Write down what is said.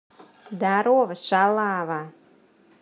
дарова шалава